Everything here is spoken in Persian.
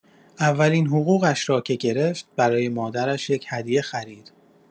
اولین حقوقش را که گرفت، برای مادرش یک هدیه خرید.